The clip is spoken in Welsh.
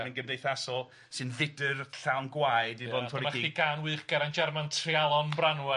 Yn gymdeithasol sy'n fudr llawn gwaed 'di bod yn torri cig... A dyma chi gân wych Geraint Jarman Treialon Branwen.